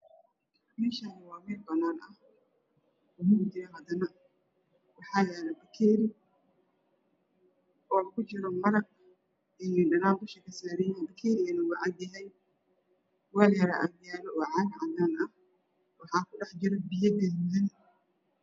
Meshan waa meel bana ah oo mugdi ah waxaayala bakeeri oo na ku jira maraq iyo liin dhahan dusha kasaran yihiin bakeerigana wuu cadyahay weel yaroo agyaalo oo caag cadaana ah waxaa ku dhax jiro biyo gaduudan